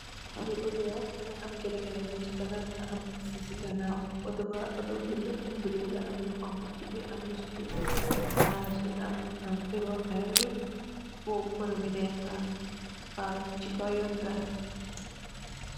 Li autor la mungi am gelegele busi kanam taxi ci ganaw autor bu blue la am lu xong khu si birr am lu satish palas bi mungi am teguh kai fu ponuh bi neka